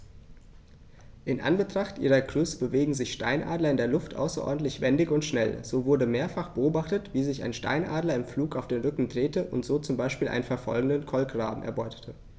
In Anbetracht ihrer Größe bewegen sich Steinadler in der Luft außerordentlich wendig und schnell, so wurde mehrfach beobachtet, wie sich ein Steinadler im Flug auf den Rücken drehte und so zum Beispiel einen verfolgenden Kolkraben erbeutete.